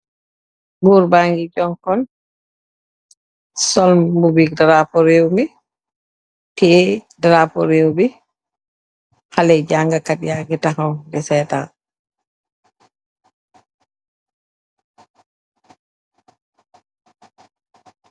Goor baa ngi joñgkan, sol mbuba i, darapoo réw mi, tiyee darapo rew mi, xalé jañga kaay yaa ngi taxaw di seetan.